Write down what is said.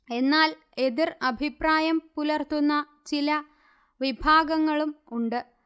എന്നാൽ എതിർ അഭിപ്രായം പുലർത്തുന്ന ചില വിഭാഗങ്ങളും ഉണ്ട്